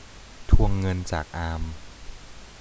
ทวงเงินจากอาม